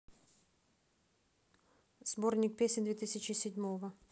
сборник песен две тысячи седьмого